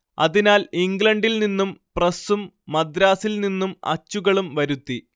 അതിനാൽ ഇംഗ്ലണ്ടിൽ നിന്നും പ്രസ്സും മദ്രാസിൽ നിന്നും അച്ചുകളും വരുത്തി